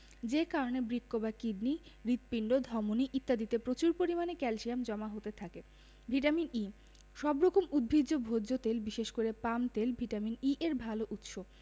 যে কারণে বৃক্ক বা কিডনি হৃৎপিণ্ড ধমনি ইত্যাদিতে প্রচুর পরিমাণে ক্যালসিয়াম জমা হতে থাকে ভিটামিন ই সব রকম উদ্ভিজ্জ ভোজ্য তেল বিশেষ করে পাম তেল ভিটামিন ই এর ভালো উৎস